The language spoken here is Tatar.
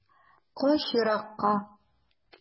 Кач еракка.